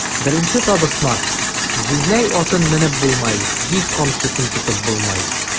Беренче табышмак: "Җизнәй атын менеп булмай, җиз камчысын тотып булмай!"